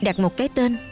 đặt một cái tên